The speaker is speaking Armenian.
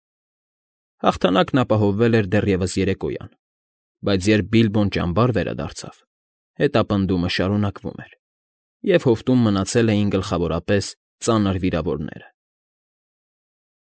Հաղթանակն ապահովվել էր դեռևս երեկոյան, բայց երբ Բիլբոն ճամբար վերադարձավ, հետապնդումը շարունակվում էր, և հովտում մնացել էին գլխավորապես ծանր վիրավորները։ ֊